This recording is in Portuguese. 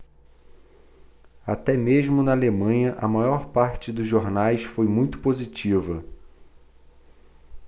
até mesmo na alemanha a maior parte dos jornais foi muito positiva